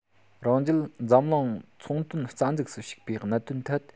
རང རྒྱལ འཛམ གླིང ཚོང དོན རྩ འཛུགས སུ ཞུགས པའི གནད དོན ཐད